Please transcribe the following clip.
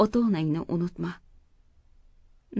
ota onangni unutma